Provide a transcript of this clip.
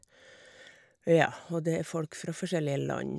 Ja, og det er folk fra forskjellige land.